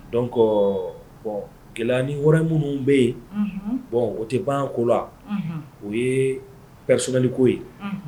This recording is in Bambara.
Dɔn ko bɔn gɛlɛya ni wɔɔrɔ minnu bɛ yen bɔn o tɛ ban ko la o ye pɛresliko ye